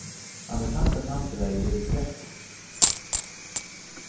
amerikanska samfelagið er í kreppu